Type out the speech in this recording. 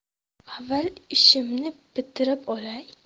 avval ishimni bitirib olay